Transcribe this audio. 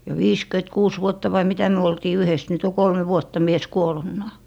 ja viisikymmentäkuusi vuotta vai mitä me oltiin yhdessä nyt on kolme vuotta mies kuolleenakin